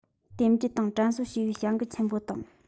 རྟེན འབྲེལ དང དྲན གསོ ཞུ བའི བྱ འགུལ ཆེན པོ དང